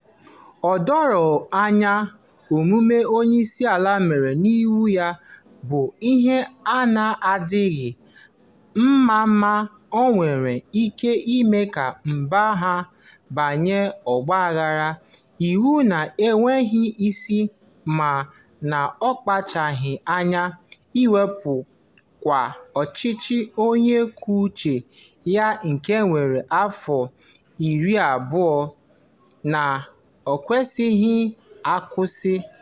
O doro anya na, omume onyeisiala mere n'onwe ya bụ ihe na-adịghị mma ma o nwere ike ime ka mba ahụ banye n'ọgbaghara iwu na-enweghị isi, ma, na-akpachaghị anya, wepụ kwa ọchịchị onye kwuo uche ya nke werela afọ 20 na-akwụsịghị akwụsị.